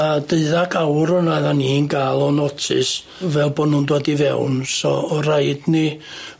A deuddag awr o' 'na o'n ni'n ga'l o notice fel bo' nw'n dod i fewn so o' raid ni